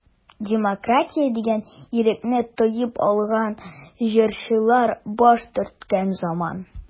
Демократия дигән ирекне тоеп алган җырчылар баш төрткән заман.